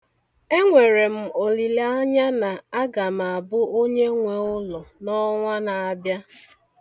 Enwere m olileanya na aga m abụ onyenwe ụlọ n'ọnwa na-abịa.